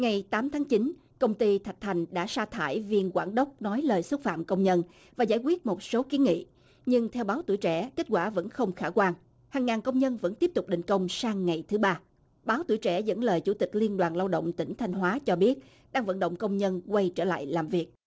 ngày tám tháng chín công ty thạch thành đã sa thải viên quản đốc nói lời xúc phạm công nhân và giải quyết một số kiến nghị nhưng theo báo tuổi trẻ kết quả vẫn không khả quan hàng ngàn công nhân vẫn tiếp tục đình công sang ngày thứ ba báo tuổi trẻ dẫn lời chủ tịch liên đoàn lao động tỉnh thanh hóa cho biết đang vận động công nhân quay trở lại làm việc